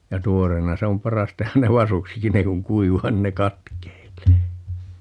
ja tuoreena se on paras tehdä ne vasuksikin ne kun kuivaa niin ne katkeilee